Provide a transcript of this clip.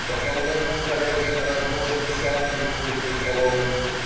По холмам беспорядочно разбросаны сакли, крытые соломой.